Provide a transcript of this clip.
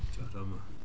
a jaarama